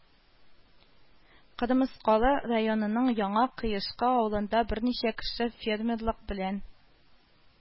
Кырмыскалы районының Яңа Кыешкы авылында берничә кеше фермерлык белән